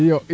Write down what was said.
iyo